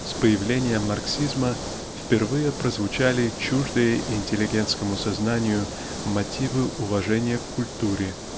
с появлением марксизма впервые прозвучали чуждые интеллигентскому сознанию мотивы уважения к культуре